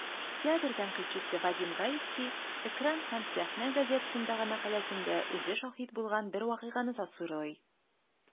Театр тәнкыйтьчесе Вадим Гаевский "Экран һәм сәхнә" газетасындагы мәкаләсендә үзе шаһит булган бер вакыйганы тасвирлый.